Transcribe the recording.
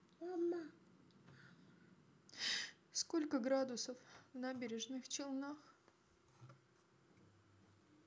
сколько градусов в набережных челнах